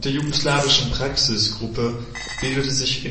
jugoslawischen Praxis-Gruppe bildete sich